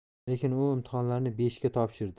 lekin u imtihonlarni besh ga topshirdi